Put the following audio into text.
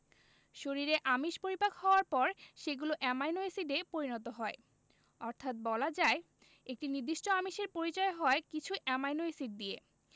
শরীরে আমিষ পরিপাক হওয়ার পর সেগুলো অ্যামাইনো এসিডে পরিণত হয় অর্থাৎ বলা যায় একটি নির্দিষ্ট আমিষের পরিচয় হয় কিছু অ্যামাইনো এসিড দিয়ে